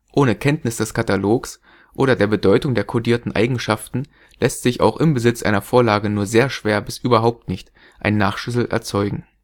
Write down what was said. Ohne Kenntnis des Katalogs oder der Bedeutung der kodierten Eigenschaften lässt sich auch im Besitz einer Vorlage nur sehr schwer bis überhaupt nicht ein Nachschlüssel erzeugen